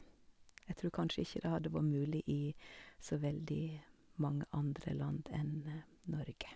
Jeg tror kanskje ikke det hadde vore mulig i så veldig mange andre land enn Norge.